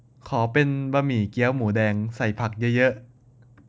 ขอเป็นบะหมี่เกี๊ยวหมูแดงใส่ผักเยอะเยอะ